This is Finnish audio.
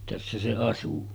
tässä se asui